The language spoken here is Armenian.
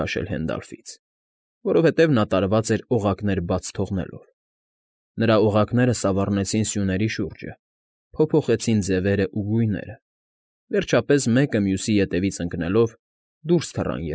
Քաշել Հենդալֆից, որովհետև նա տարված էր օղակներ բաց թողնելով. նրա օղակները սավառնեցին սյուների շուրջը, փոփոխեցին ձևերն ու գույները, վերջապես մեկը մյուսի հետևից ընկնելով՝ դուրս թռան։